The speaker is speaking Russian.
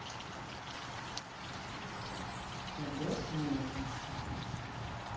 подбрось монету